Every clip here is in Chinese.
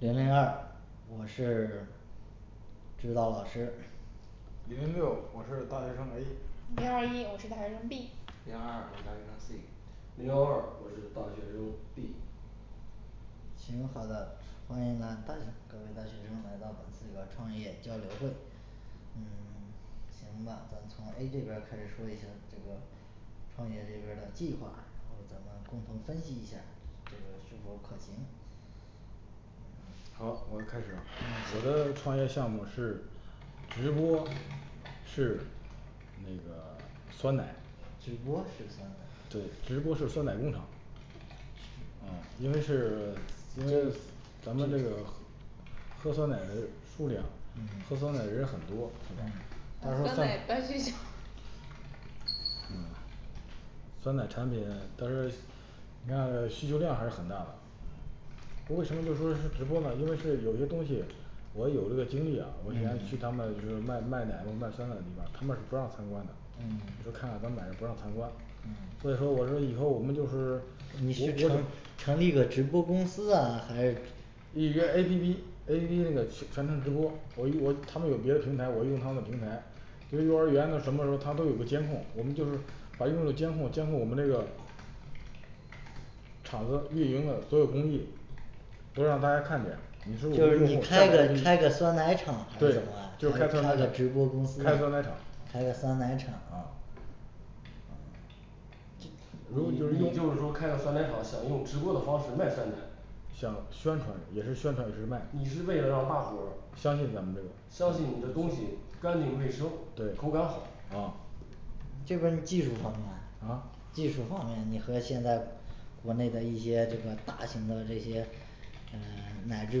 零零二我是指导老师零零六我是大学生A 零二一我是大学生B 零二二我是大学生C 零幺二我是大学生D 行好的欢迎呢大各位大学生来到这个创业交流会嗯 行吧咱们从A这边儿开始说一下这个创业这边儿的计划然后咱们共同分析一下这个是否可行好我要开始了我的创嗯行业项目是直播是那个酸奶直播是酸奶对直播是酸奶工厂嗯因为是因为咱们这个喝酸奶的数量喝酸奶嗯人很多嗯酸奶当嗯酸奶产品需求量还是很大为什么就说是直播呢因为这有些东西我有这个经历啊我想去嗯他们就是卖卖奶或卖酸奶地方他们是不让参观的就嗯看咱买不让参观所以嗯说我说以后我们就是你是成成立一个直播公司啊还是一个A P P A P P那个全程直播我一我他们有别的平台我用他们的平台别幼儿园呢什么时候它都有个监控我们就是把用的监控监控我们这个厂子运营的所有工艺都让大家看见你是否用过就对是就是你开开酸一奶个厂开开个个酸奶厂还是什么啊还是酸开个直播公司啊奶厂开个酸奶厂啊你你就是你说开个酸奶厂想用直播的方式卖酸奶想宣传也是宣传也是卖你是为了让大伙儿相相信信咱们这个你的东西干净卫生对口感嗯好这关键技术方面啊技术方面你和现在国内的一些这个大型的这些嗯奶制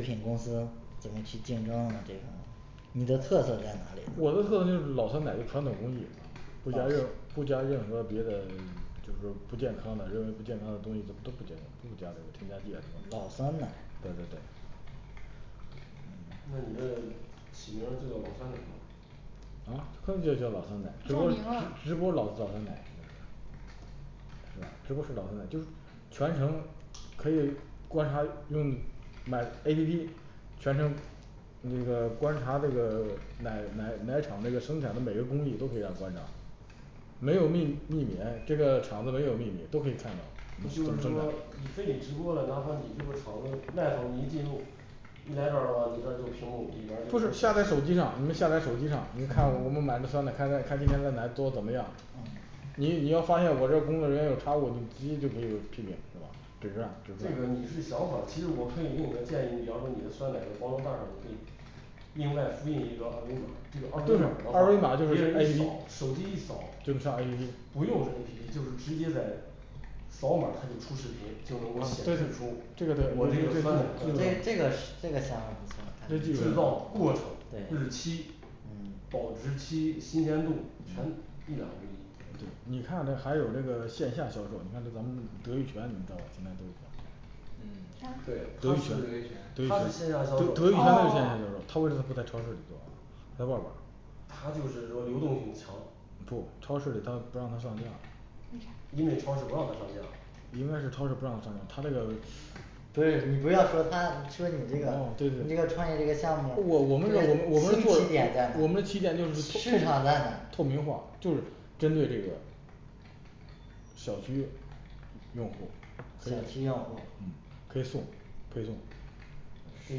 品公司怎么去竞争这方面你的特色在哪里我的特色就是老酸奶传统工艺不加老任酸不加任何别的就是不健康的认为不健康的东西都不加都不加这个添加剂啊什么对对对老酸奶那你这起名就叫老酸奶吗啊科学界老酸著奶直播直名啊直播老老酸奶嗯直播是老酸奶就全程可以观察用买A P P全程那个观察这个奶奶奶厂这个生产的每个工艺都可以让观察没有秘秘密哎这个厂子没有秘密都可以看到也就是说你非得直播了然后你这个厂子卖方你一进入一来这儿的话你这儿就屏幕里边儿不就是下载手机上你们下载手机上你们看我们买的酸奶看看看这家的奶做的怎么样嗯你你要发现我这儿工作人员有差误你直接就可以批评是吧是这样是这这个你是想样法儿其实我可以给你个建议比方说你的酸奶的包装袋儿上你可以另外复印一个二维码就这是个二二维维码码的就话别是人他一扫手机一扫就能上A P P不用A P P就是直接在扫码儿它就出视对对频就能够显示出我这这个对个酸这这个这个奶想法不错感觉制造过程日对期保质嗯期新鲜度全一览无余你对看这还有这个线下销售你看这咱们德玉泉你们知道吧邢台都有嗯对是啥它德德玉泉德玉泉德德玉是玉泉它就是是线线泉下下销销售售他哦为什么不在超市里做它就是说流动性强不超市里它不让它上架因为为啥超市不让它上架应该是超市不让它上架它这个对你不要说它说你这个哦对你这个创业这个项目对我我们是儿我们是我们的新起起点点的就是市场在透明化哪就是针对这个小区用户小嗯区用户配送配送是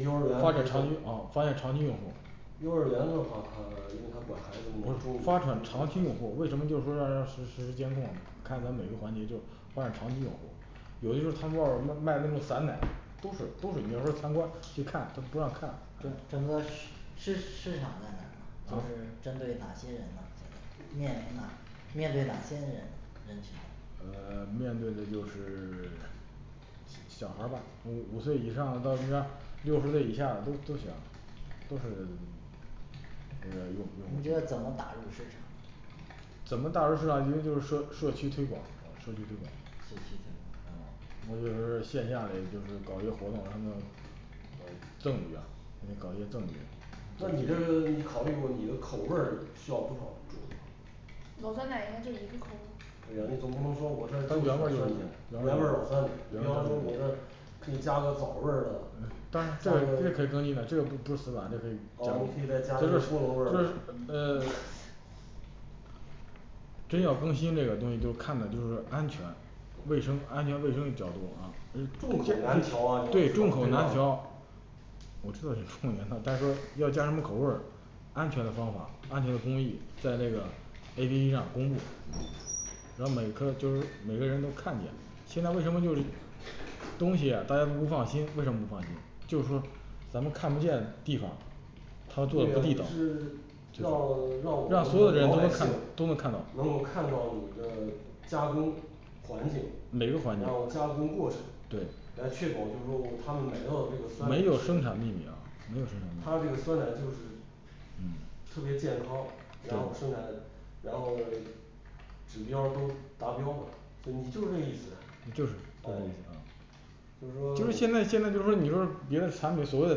幼儿发展长园哦发展长期用户幼儿园的话它因为它管孩子不是我发展们长期用户儿为什么就是说让实实时监控看它每个环节就发展长期用户有的那个卖那个散奶都是都是你要说参观去看他不让看整整个市市市场在哪儿呢就是针对哪些人呢面临哪面对哪些人人群嗯面对的就是小小孩儿吧五五岁以上到那个六十岁以下都都行都是你这个怎么打入市场怎么打入市场一个就是社社区推广社区推广那就是线下里就是搞一个活动然后嗯赠一嗯搞一个赠一那你这你考虑过你的口味儿需要多少老酸奶应该就一个口味儿对呀你总不能说我这儿就出酸奶原味儿老酸奶标注我这儿可以加个枣味儿的这加个个哦这你个可可以以更新的这个不是死板这可以这再加一都个是菠萝味这儿都是嗯的真要更新这个东西就是看着就是安全卫生安全卫生较多啊可对是众众口口难难调啊调我知道众口难调但是说要加什么口味安全的方法安全的工艺在这个A P P上公布让每个就是每个人都看见现在为什么就是东西呀大家都不放心为什么不放心就是说咱们看不见地方那个你是让让它做的地道我们让老所有的人都能百看姓到都能够能看看到到你的加工环境每个环境然后加工过程对来确保就是说他们买到的那个酸奶他没那有生产秘密没有生产秘密啊没有个生酸奶产秘就密是嗯特别健康然后生产是然后指标儿都达标嘛就你就是那意思就是对嗯嗯就就是是现在现在就是说说你说别的产品所谓的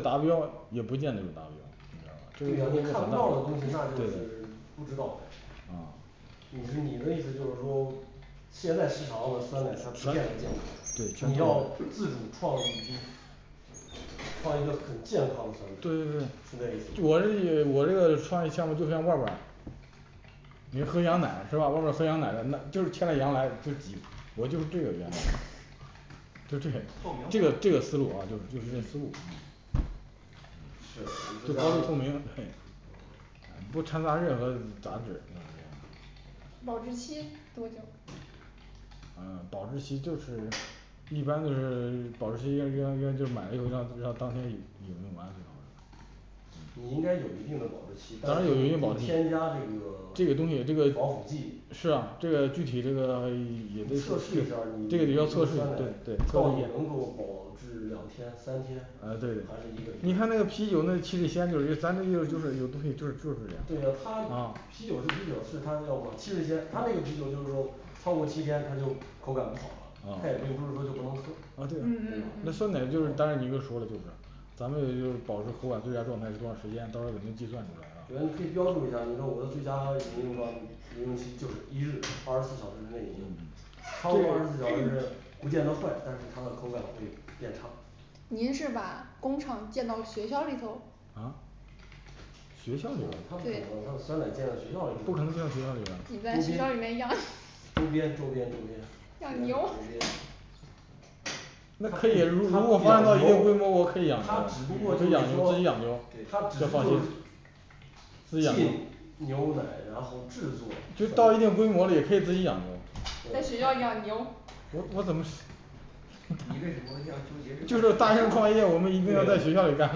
达标也不见得达标你知道吧这个你看不到的东西那对就是不知道嗯啊你是你的意思就是说现在市场上的酸奶它不见得健康你要自对主创制创一个很健康的对酸对奶是对那我这个里我这个创业项目就在外边儿你说喝羊奶是吧偶尔喝羊奶什么的就是牵个羊奶就挤我就是这个原理就这透个明这个这个思路啊就就是这思路透明不掺杂任何杂质保质期多久嗯保质期就是一般就是保质期应该应该应该就是买了以后让让当天饮饮用完你应该有一定的保质期当然有一定保质期添加这这个东西这个个防腐剂是啊这个具体这个也得测试一下儿你这个得要看测试对对到底能够保质两天三天还呃是对你一看那个个啤酒那礼拜对啊它啤酒是啤酒它那个啤酒就是说超过七天它就口感不好了它也并不是说嗯就不能喝嗯那酸嗯奶就是但嗯是你又说了就是嗯咱们也有保持口感最佳状态多长时间到时候也能计算出来啊觉得你可以标注一下你说我的最佳饮用到饮用期就是一日二十四小时之内饮用超过二十四小时不见得坏但是它的口感会变差您是把工厂建到学校里头啊学校里对你在边儿它不可能它把酸奶不可能建建到在学校里边不可能周边周学边校里周的学校里面养 边周边学校养有牛周 边啊那可以我可以养牛如果是养牛自己养进牛奶然后制作其实到一定规模也可以自己养牛在学校养牛 我我怎么你为什么会这样纠就是大学生创结业我们一定要在学校里干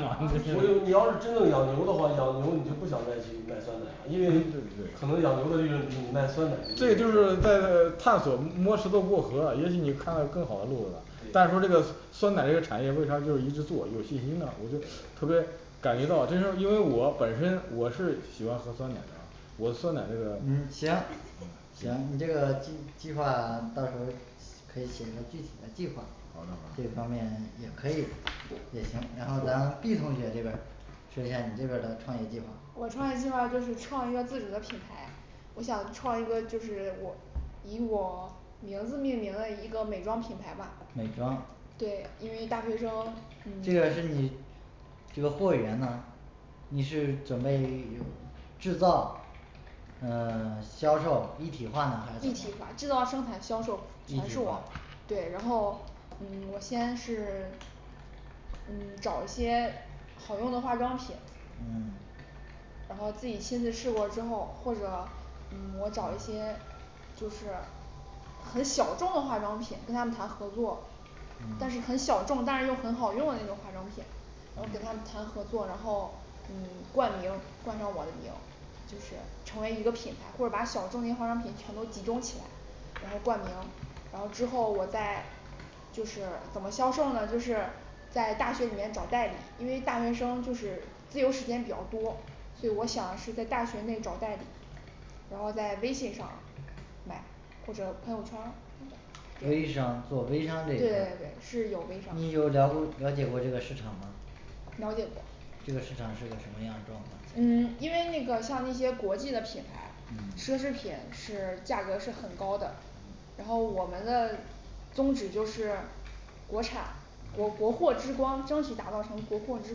吗 不是你要是真的养牛的话养牛你就不想再去卖酸奶了因为可能养牛的利润比你卖酸奶这利也就是润在探索摸石头过河也许你看到更好的路了但是说这个对酸奶这个产业为啥就是一直做有信心呐我觉得特别感觉到就是因为我本身我是喜欢喝酸奶的我酸奶这个嗯行 行你这个 计计划到时候可以写个具体的计划这方面也可以也行然后咱B同学这边儿说一下你这边儿的创业计划我创业计划就是创一个自主的品牌我想创一个就是我以我名字命名的一个美妆品牌吧美妆对因为大学生嗯这个是你这个货源呢你是准备制造嗯 销售一体化呢还怎一么一体体化化制造生产销售全是我对然后嗯我先是嗯找一些好用的化妆品嗯然后自己亲自试过之后或者嗯我找一些就是很小众的化妆品跟他们谈合作但是很嗯小众但又很好用的那种化妆品然后给他们谈合作然后嗯冠名冠上我的名就是成为一个品牌或者把小众型化妆品全都集中起来然后冠名然后之后我再就是怎么销售呢就是在大学里面找代理因为大学生就是自由时间比较多所以我想是在大学内找代理然后在微信上卖或者朋友圈儿对对对对微商做微商这一块是有微儿商你有了了解过这个市场吗了解过这个市场是个什么样状况嗯因为那个像那些国际的品牌嗯奢侈品是价格是很高的然后我们的宗旨就是国产国国货之光争取打造成国货之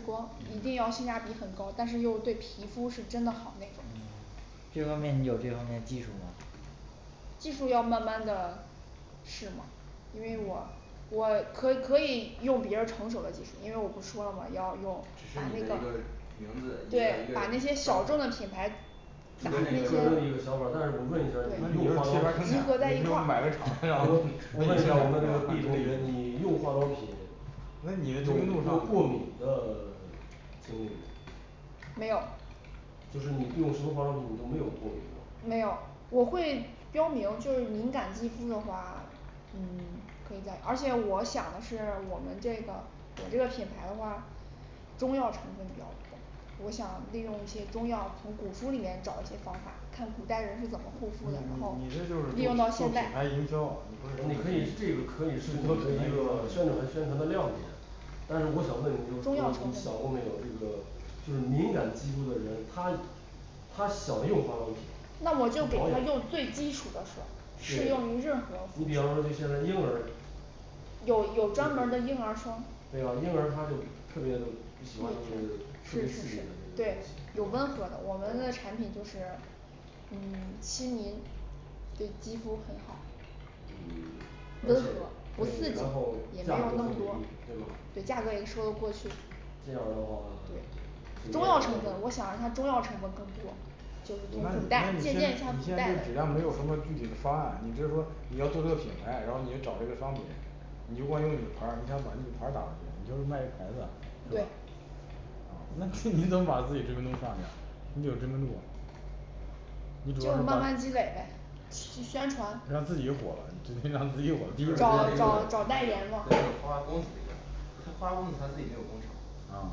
光一定要性价比很高但是又对皮肤是真的好那种嗯这方面你有这方面技术吗技术要慢慢的试嘛因为我我可可以用别人成熟的技术因为我不说了嘛要用只把是那有一个个名字一个一对把那些个小众的品牌这是你个人的一个想法儿但是我对问一下我生产买问一下儿融合在一块个厂儿子 我们这个B同学你用化妆品那有你没的有就工作上过敏的经历没有就是你用什么方式你都没有过敏过没有我会标明就是敏感肌肤的话嗯可以在而且我想的是我们这个我这个品牌的话中药成分比较多我想利用一些中药从古书里面找一些方法看古代人是怎你你么护肤的然后这就利用到是做现品代牌营销你你不可以这个是可以是你的一个宣传宣传的亮点但是我想问你就是说中药成你分想过没有这个就是敏感肌肤的人她她想用化妆品那我对就你给比她用最基础的水儿适用于任何方说就现在婴儿有有专门儿的婴儿霜对啊婴儿他就特别的不喜欢这些个特别是刺是激的是这些对个有东温和的我西们的产品就是嗯亲民对肌肤很好嗯温和不而且刺对激然后也没价有那格么多对价格也说的过去这样的话对中药成分我想让它中药成分更多就是从那你古那代你借现在鉴一下你现古在代对质量没有什么具体的方案你就是说你要做个品牌然后你就找这个商品你就光用你牌儿你想把那个牌儿打下来你就是卖牌子的对那你怎么把自己知名度上去啊你有知名度吗你比如说就慢慢积累呗宣传让自己火了你准备让自己找找找代言对花嘛花公子它花花公子它自己没有工厂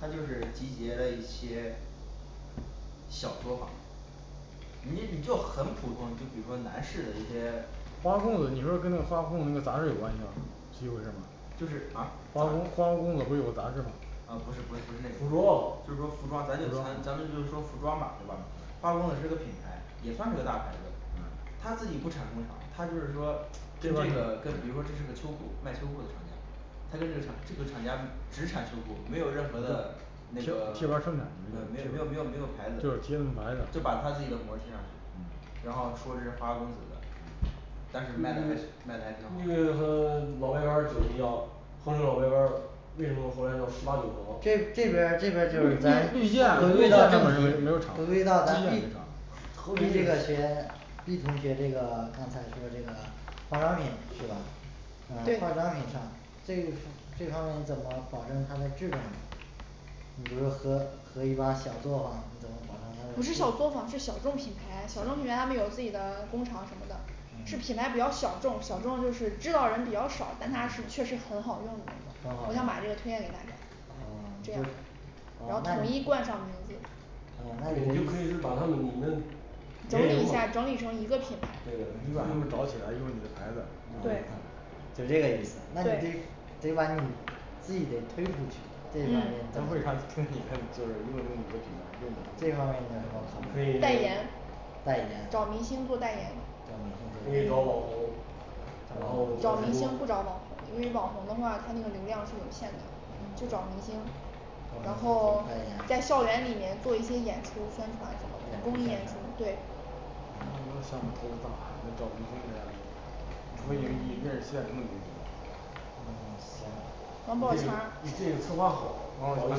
它就是集结了一些小作坊你你就很普通你就比如说男士的一些花花公子你说跟那花花公子那个杂志有关系吗这就是吗就是啊花花公花花公子不是有个杂志吗嗯不是不是不是那个就是说服装咱就咱咱们就说服装吧对吧花花公子是个品牌也算是个大牌子它自己不产工厂它就是说跟这个跟比如说这是个秋裤卖秋裤的厂家他跟这个厂这个厂家只产秋裤没有任何的那贴个没有贴牌儿生产没有没有没有牌子就是贴个膜儿就把它这个膜儿贴上嗯去然后说是花花公子的那但是卖的还卖的还个挺好和老白干儿酒一样衡水老白干儿为什么后来叫苏打酒这这了呢边儿这边儿就是咱咱回归到正题回归到咱这个学B同学这个刚才说这个化妆品是吧嗯化妆品上这这方面怎么保证它的质量你比如说和和一帮小作坊你怎么保证它不是小的作坊是小众品牌小众品牌他们有自己的工厂什么的是品牌比较嗯小众小众就是知道人比较少但它是确实很好用的很那种好我用想把这个推荐给大家这样哦然后哦那统一冠上名字哦你就你可以是把它们你们联名嘛整对不理一是就是下找整品理牌就成是一你个的品牌牌子对是这个意思那你这对得把你自己得推出去这方面这方那面为你有什么嗯啥就是因为没有你的品牌就是考虑代你可以言代言找明星做代言嗯可以找网红然后找做明直星播不找网红因为网红的话他那个流量是有限的就找明星让他然们后做代言演出在校园里面做代一些言演出宣传什么的公益演出对嗯行你这你这个策划好然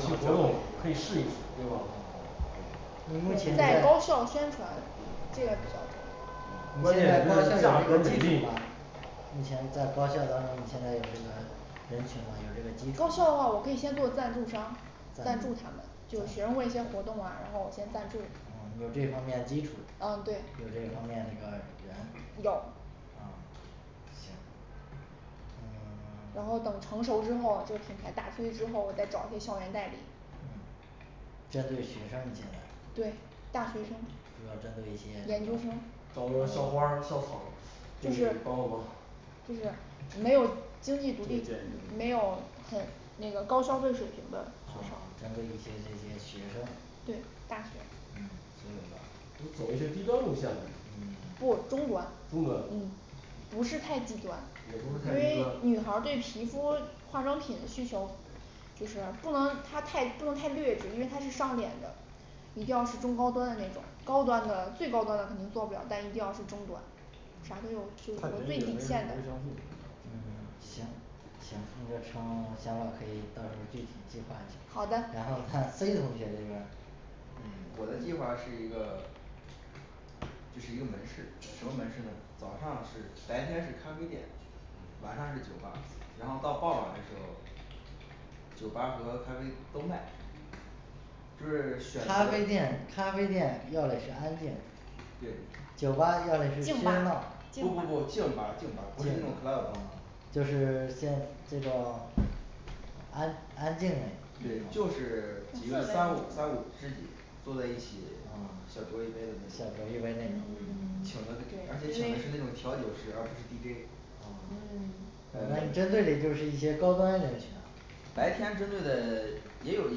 后可以试一试对吧对在高校宣传这个比较关键是它价格美丽目前在高校当中现在有这个人群吗有这个基础高校的话我可以先做赞助商赞赞助他们助就学生会一些活动啊然后我先赞助有这方面基础嗯对有这方面那个人有嗯行然后等嗯 成熟之后这个品牌打出去之后我再找一些校园代理嗯针对学生你现在主对大学生要针对一些研究生找个校花儿校草就是就是没有经济独立没有很那个高消费水平的学生哦针对一些那些学生嗯这对个大学你走一些低端路线的嗯不中端中端嗯不是太也不是太低低端端因为女孩儿对皮肤化妆品的需求就是不能它太不能太劣质因为它是上脸的一定要是中高端的那种高端的最高端的肯定做不了但一定要是中端啥都有就是可能嗯行行那就下面可以做点具体计划好一下的儿然后看C同学这边儿嗯我的计划是一个就是一个门市什么门市呢早上是白天是咖啡店晚上是酒吧然后到傍晚的时候酒吧和咖啡都卖就是选咖择啡对店咖啡店要嘞是安静酒吧要嘞是静喧闹吧不静不不静吧吧静吧不是那种club 就是先这种安安静嘞对就是呃几个氛三五三围五知己坐在一起小酌一杯小嗯 酌一对因杯为那请的而且种请的是那种调酒师而不是D J 哦对嗯 那你针对的就是一些高端人群啊白天针对的也有一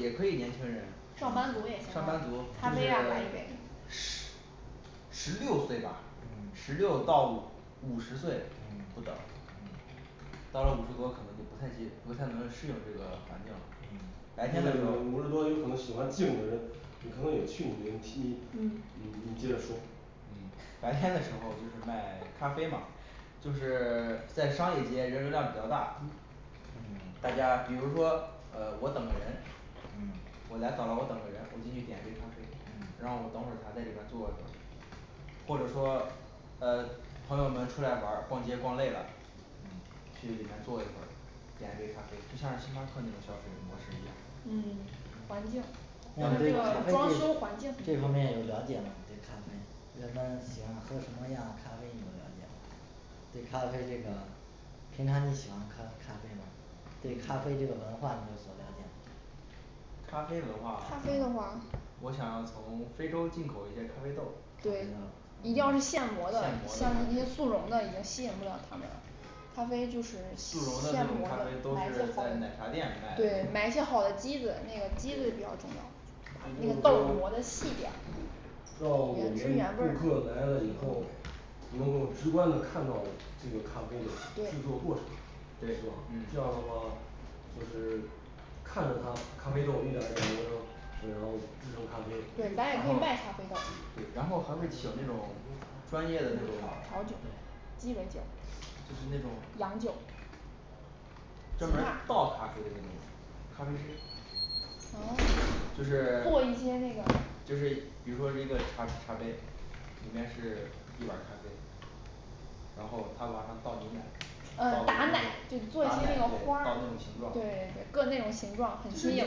些可以年轻人上上班班族族就是也行啊咖啡啊来一杯十十六岁吧十嗯六到五五十嗯岁不嗯等到了五十多可能就不太接不太能适应这个环境了我跟你白天的时说候五十多有可能喜欢静的人也可能也去你那个嗯嗯你接着说白天的时候就是卖咖啡嘛就是在商业街人流量比较大大嗯家比如说呃我等个人嗯我来早了我等个人我进去点杯咖啡然后嗯我等会儿还在里边坐着或者说呃朋友们出来玩儿逛街逛累了去嗯里面坐一会儿点一杯咖啡就像是星巴克那种消费模式一嗯样环境但那你是这对咖个啡装修环境这比较这方面有了解吗对咖啡人们喜欢喝什么样的咖啡你们了解吗对咖啡这个平常你喜欢咖咖啡吗对咖啡这个文化你有有了解吗咖啡咖啡文的话化我想从非洲进口一些咖啡豆对你要现现磨磨的的咖像那些啡速溶的已经吸引不了他们了咖啡就是速溶的那现种磨咖的啡都买一个是好在奶茶店对卖的买一台好的机子那个机子比较重要也就是说让我们顾把那个豆磨得细点儿原汁原味客来儿了以后能够直观的看到这个咖啡的制作过程对对嗯这样的话就是看着它咖啡豆一点儿一点儿磨成然后制成咖对咱也可以卖咖啡啡豆对然后还调可以请那种专业的那种酒鸡尾酒就是那种洋酒专门儿倒咖啡的那种咖啡嗯就是做一些那个就是比如说是一个茶茶杯里面是一碗咖啡然后他往上倒牛奶倒嗯打打奶奶就对倒做各一个那个花种形状对那个你本本钱这么便宜形状打花对个性有形状很新颖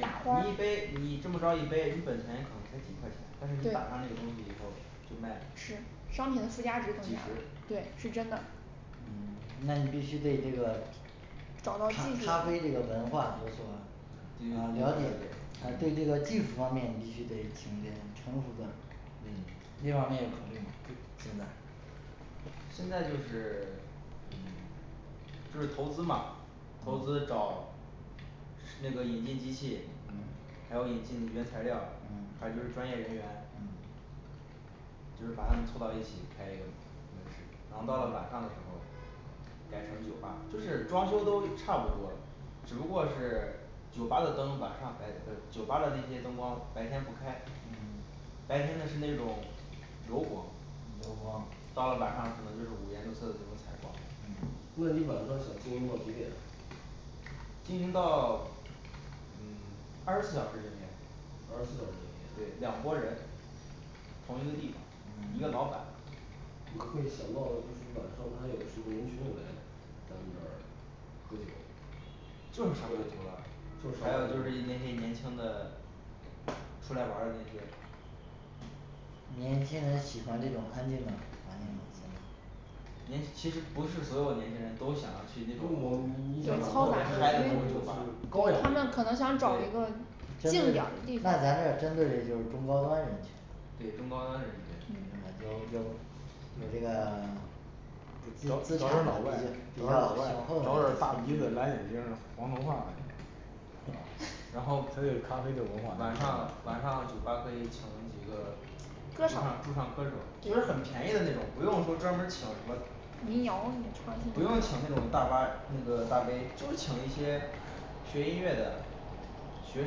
打花一杯你这么着儿一杯你本钱可能才几块钱但是你打它那个东对西以后就卖了几是十商品附加值增加了对是真的那你必须对这个找咖到兴趣咖啡这个文化有所啊了解了呃对解这个技术方面必须得请这成熟的这方面有考虑吗现在现在就是嗯投资就是投资嘛投资找那个引进机器嗯还有引进原材料还有就嗯是专业人员嗯就是把他们凑到一起开一个门门市然后到了晚上的时候改成酒吧就是装修都差不多只不过是酒吧的灯晚上开不是酒吧的那些灯光白天不开白天的是那种柔光到柔光了晚上可能就是五颜六色的这种彩光那嗯你晚上想经营到几点经营到嗯二十四小时经营二十四小时经对营两拨人同一个地嗯方一个老板你可以想到的就是晚上他有什么人群在咱们这儿喝酒就是还有就是一些那年轻的出来玩儿的那些年轻人喜欢这种安静的环境吗现在年其实不是所有年轻人都想要去那种不我你对想打造嘈的是杂因那种就是高为雅他们可能想找的一个静点儿的地方那咱这儿针对嘞就是中高端人群对中高端人群有嗯有有这个最最好是老外主要是大鼻子蓝眼睛黄头发然后还有咖啡的文化晚上晚上酒吧可以请几个驻歌唱手驻唱歌手对就是很便宜的那种不用说专门儿请什么民谣什么不的用请那种那个大吧大V就是请一些学音乐的学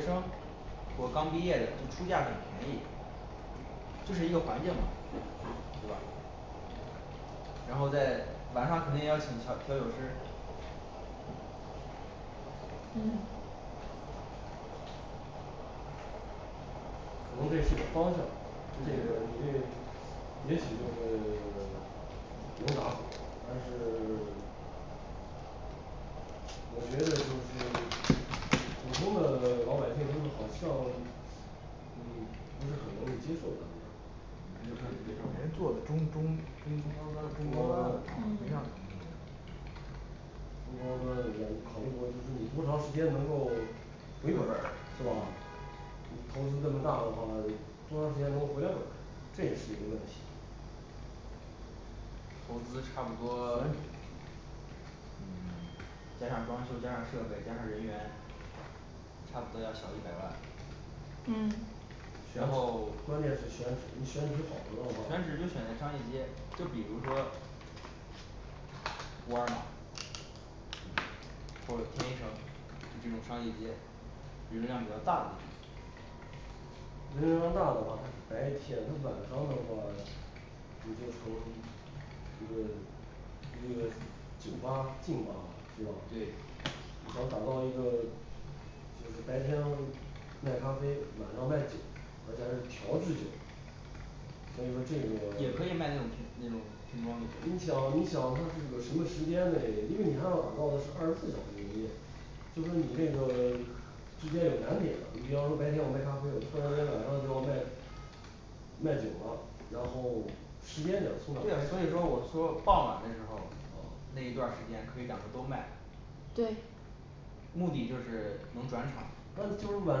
生或刚毕业的就出价很便宜就是一个环境嘛对吧然后在晚上肯定要请调调酒师嗯可能这也是个方向这个你这也挺就是 能拿出手但是 我觉得就是普通的老百姓他们好像嗯不是很容易接受咱们也就是做说中你没中法儿中中高高端端嗯中高端你考虑考虑你多长时间能够回本儿是吧你投资这么大的话多长时间能回来本儿这也是一个问题投资差不多嗯加上装修加上设备加上人员差不多要小一百万嗯选址选址然后关键是选址你选址好的话就选在商业街就比如说沃尔玛或者天一城就这种商业街人流量比较大的地方人流量大的话它是白天它晚上的话你就从那个那个酒吧静吧是吧对然后打造一个就是白天卖咖啡晚上卖酒而且还是调制酒所以说这个也可以卖那种瓶卖那种瓶装的酒你想你想它是个什么时间内因为你还要打造的是二十四小时营业就说你这个之间也难免你比方说白天我卖咖啡我突然间晚上就要卖卖酒了然后时间点从哪对来啊所以说哦我说傍晚的时候那一段儿时间可以两个都卖对目的就是能转场那就是晚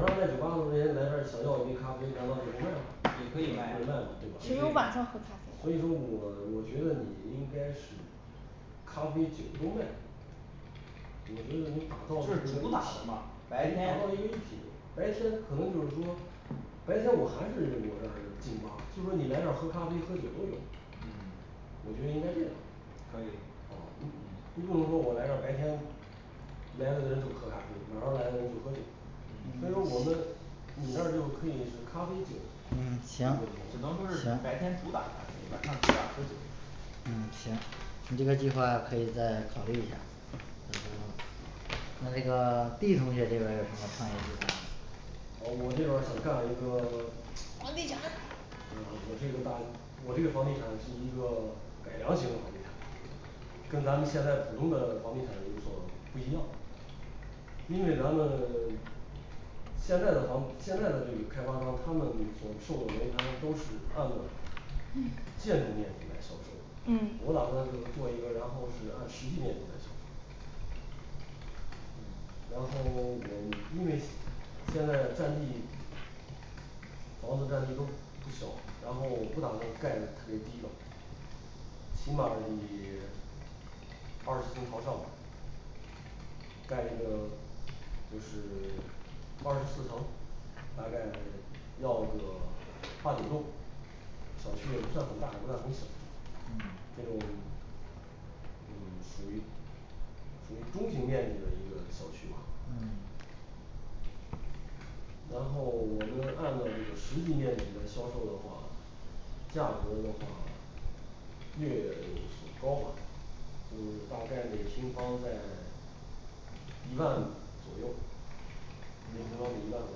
上来酒吧的人来这儿想要一杯咖啡难道也你不可以卖卖能卖对吧谁有晚上喝咖所啡的以说我我觉得你应该是咖啡酒都卖我觉得你打造就融为是一体成主打的嘛白天为一个一体白天可能就是说白天我还是有这静吧就说你来这儿喝咖啡喝酒都有嗯我觉得应该这样可以嗯你你不能说我来这儿白天来的人就喝咖啡晚上来的人喝酒所以说我们你那儿就可以是咖啡酒嗯这行个行只能说是白天主打咖啡晚上主打喝酒嗯行你这个计划可以再考虑一下那那个D同学这边儿有什么创业计划呢嗯我这边儿想干一个房地产嗯我这个大我这个房地产是一个改良型的房地产跟咱们现在普通的房地产有所不一样因为咱们 现在的房现在的这个开发商他们所售楼盘都是按建筑面积来销售的嗯我打算做一个然后是按实际面积来销售然后我因为现在占地房子占地都不小然后我不打算盖的特别低了起码得二十层朝上吧盖一个就是二十四层大概要个八九栋小区也不算很大也不算很小嗯这个我嗯属于属于中平面积的一个小区吧嗯然后我们按照这个实际面积来销售的话价格的话就是大概每平方在一万五左右摸摸到一万五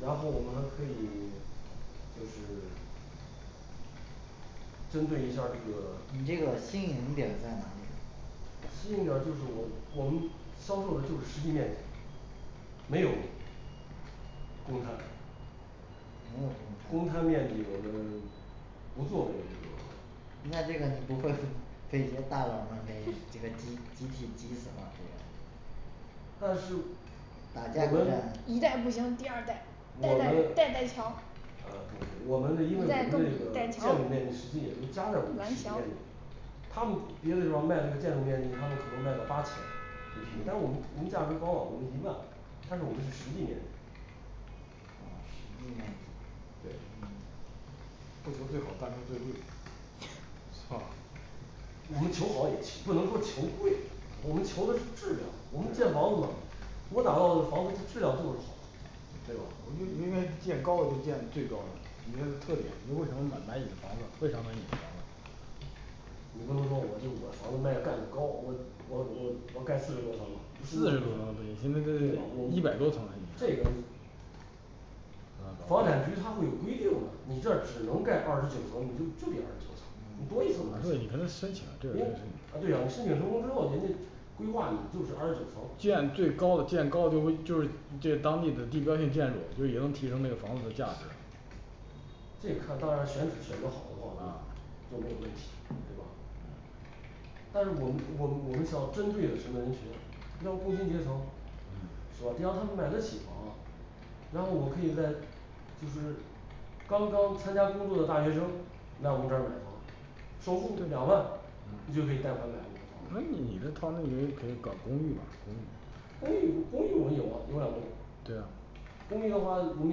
然后嗯我们还可以就是针对一下儿你这这个个吸引点儿在哪里吸引的就是我们我们销售的就是实际面积没有公摊没有公公摊摊面积我们不作为这个那这个你不会被那些大佬们给 给他集集体挤死吗这样但是我们我们呃打价我们格呢战一因为代不行第二代代代代代强我一们那代个更比一建代筑强面积实际也都加在实际面积顽里了强他们别的地方卖这个建筑面积他们可能卖到八千一平但是我们我们价格高啊我们一万但是我们是实际面积实际面积对嗯不求最好但求最贵是吧我们求好不能说求贵我们求的是质量我们建房子嘛我哪怕我打造的房子质量就是好对吧我觉得建高楼建的最高的你的特点你为什么买买你的房子为啥买你的房子你不能说我就我房子卖的盖得高我我我我盖四十多层吧最四高十多层现在都得一百多层了已这经个房产局他会有规定的你这只能盖二十九层你就就得二十九层你多一层呃对啊你跟他你申申请这个请成功之后人家规划里就是二十九层建最高的建高的就是就是这当地的地标性建筑就是已经提升那个房子的价值这看当然选址选的好不好了就没有问题对吧但是我们我们我们想要针对的什么人群你像工薪阶层是吧你让嗯他们买的起房啊然后我可以在就是刚刚参加工作的大学生来我们这儿买房首付是两万不就可以贷款买那房你了这套路你就肯定搞公寓了吧公寓公寓我有啊有两栋，对啊公寓的话你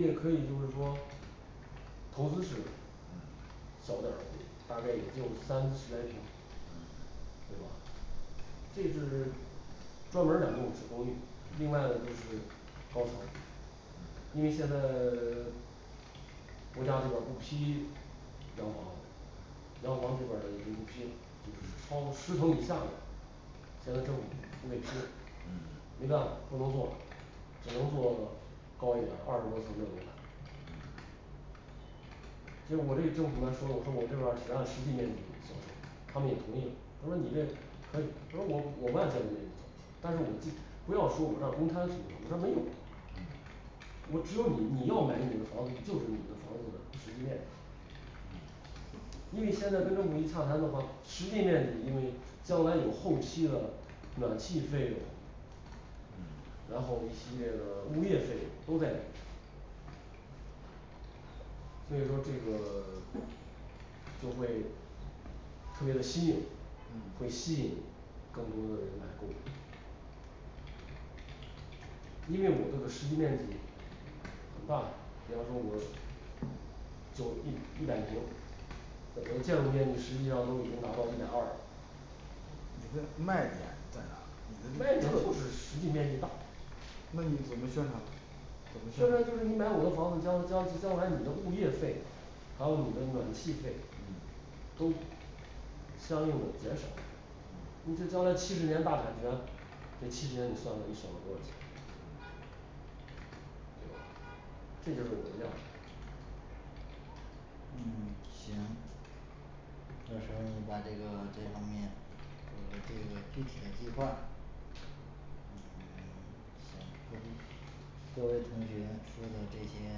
也可以就是说投资是小点儿的大概也就三十来平对吧这是专门儿买弄式公寓另外的就是高层因为现在 国家这个不批洋房洋房这边儿也不批就是超十层以下的现在政府不给批没办法不能做只能做高一点儿二十多层的楼就是我对政府来说我说我这边儿只按实际面积销售他们也同意他说你这他说我我不按建筑面积但是我就不要说我这儿公摊是多少我这儿没有我只有你你要买你的房子就是你的房子实际面积因为现在跟政府一洽谈的话实际面积因为将来有后期的暖气费用然后一嗯系列的物业费用都在里面所以说这个就会特别的吸引会嗯吸引更多的人来购买因为我这个实际面积很大然后我就一一百平可能建筑面积实际上都已经达到一百二你的卖点在哪儿卖点就是实际面积大那你怎么宣传宣传就是你买我的房子将将将来你的物业费还有你的暖气费都相应的减少你这将来七十年大产权这七十年你算算你省了多少钱对吧这就是我的亮点嗯行到时候你把这个这方面给我个这个具体的计划嗯 行各位同学说的这些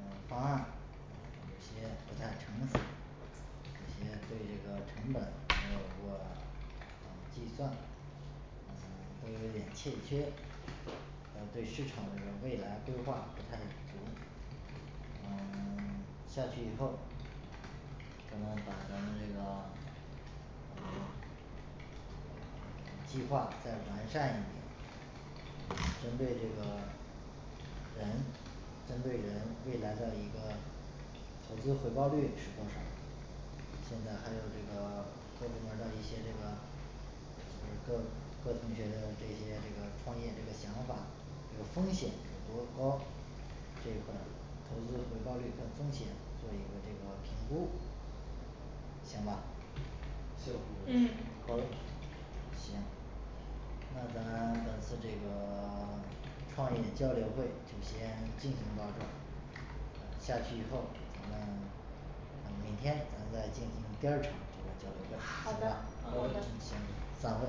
嗯方案有一些不太成熟一些对这个成本没有过计算嗯都有点欠缺嗯对市场的未来规划不太熟嗯下去以后都要把咱这个计划再完善一点针对这个人针对人未来的一个投资回报率是多少现在还有这个各部门的一些这个呃各各同学的这些这个创业这个想法这个风险有多高这一块儿投资回报率跟风险做一个这个评估行吧行嗯好的行那咱本次这个 创业交流会就先进行到这儿下去以后咱们明天咱们再进行第二场这个交流会好好行的的吧行散会